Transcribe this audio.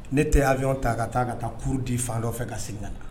Ne tɛ y yafayɔn ta ka taa ka taa k kuru di fan dɔ fɛ ka segin nana na